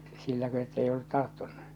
silläkö että ei ollut tarttunut